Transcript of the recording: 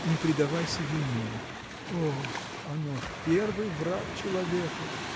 – Не предавайся вину – ох, оно первый враг человека!